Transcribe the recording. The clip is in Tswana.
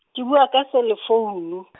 ke bua ka selefounu .